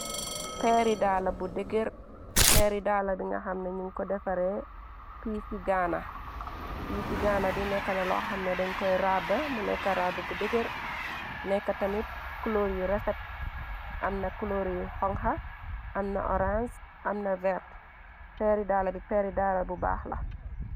Peeri daala bu deger peeri dala bi nga xam ne ñung ko defare pisi gaana pici ganna bi nekka na lox xamna deñ koy rabba mu nekka rabb bu degër nekka tamit cloryu refet amna clori honka amna orange amna verte peeri daala bi peri daala bu baax la.